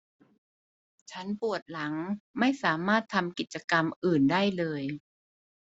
ฉันปวดหลังไม่สามารถทำกิจกรรมอื่นได้เลย